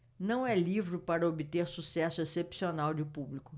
não é livro para obter sucesso excepcional de público